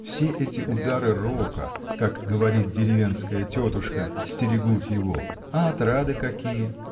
Все эти удары рока, как говорит деревенская тетушка, стерегут его а отрады какие?